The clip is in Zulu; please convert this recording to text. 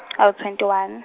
awu twenty one.